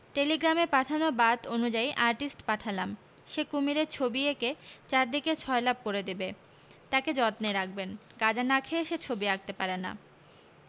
টেলিগ্রামে পাঠানো বাত অনুযায়ী আর্টিস্ট পাঠালাম সে কুমীরের ছবি ঐকে চারদিকে ছয়লাপ করে দেবে তাকে যত্নে রাখবেন গাজা না খেয়ে সে ছবি আঁকতে পারে না